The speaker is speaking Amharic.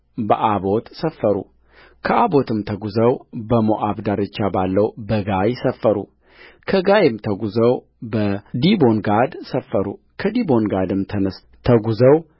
በኦቦት ሰፈሩከኦቦትም ተጕዘው በሞዓብ ዳርቻ ባለው በጋይ ሰፈሩከጋይም ተጕዘው በዲቦንጋድ ሰፈሩከዲቦንጋድም ተጕዘው